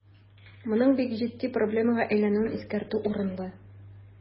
Моның бик җитди проблемага әйләнүен искәртү урынлы.